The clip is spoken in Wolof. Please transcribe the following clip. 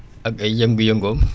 ak ay yëngu-yëngoom